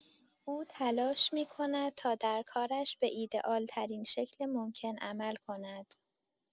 او تلاش می‌کند تا در کارش به ایده‌آل‌ترین شکل ممکن عمل کند.